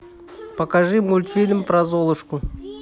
покажи мультфильм про золушку